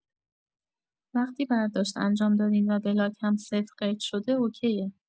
وقتی برداشت انجام دادین و بلاک هم صفر قید شده اوکیه